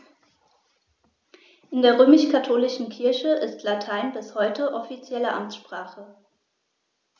In der römisch-katholischen Kirche ist Latein bis heute offizielle Amtssprache.